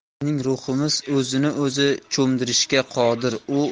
bizning ruhimiz o'zini o'zi cho'mdirishga qodir